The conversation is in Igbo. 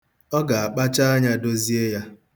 Ọ ga-akpacha anya dozie ya.